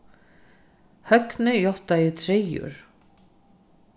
høgni játtaði treyður